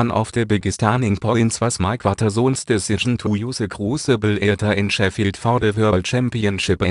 of the biggest turning-points was Mike Watterson 's decision to use the Crucible Theatre in Sheffield for the world championship